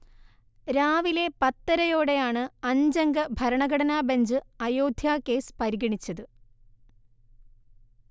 രാവിലെ പത്തരയോടെയാണ് അഞ്ചംഗ ഭരണഘടനാബഞ്ച് അയോധ്യ കേസ് പരിഗണിച്ചത്